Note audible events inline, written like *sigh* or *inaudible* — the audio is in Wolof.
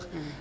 *hesitation*